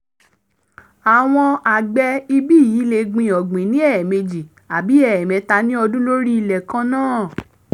Rògbòdìyàn ọlọ́jọ́ méjì bẹ́ sílẹ̀ ní ọjọ́ 6 àti 7 oṣù Kẹrin ní orílẹ̀ èdè Egypt, níbi tí iye owó àwọn oúnjẹ pàtàkì di ìlọ́po méjì sí ti ọdún 2004,(ìlọ́po mẹrin ní àwọn ibòmíràn).